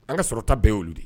An ka sɔrɔta bɛɛ'olu de